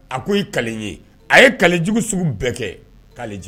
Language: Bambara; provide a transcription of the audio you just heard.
A ko ka ye a ye kalejugu sugu bɛɛ kɛ kaji